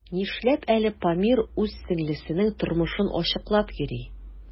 Нишләп әле Памир үз сеңлесенең тормышын ачыклап йөри?